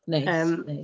Neis... Yym. ...neis.